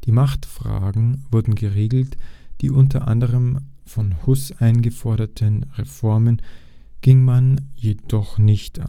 Machtfragen wurden geregelt, die unter anderem von Hus eingeforderten Reformen wurden jedoch nicht